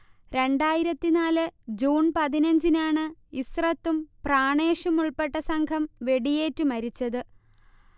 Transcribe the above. രണ്ടായിരത്തി നാല് ജൂൺ പതിനഞ്ച്നാണ് ഇസ്രത്തും പ്രാണേഷുമുൾപ്പെട്ട സംഘം വെടിയേറ്റ് മരിച്ചത്